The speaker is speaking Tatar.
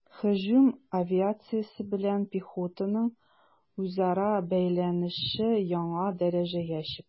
Һөҗүм авиациясе белән пехотаның үзара бәйләнеше яңа дәрәҗәгә чыкты.